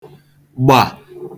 gbà [ụra]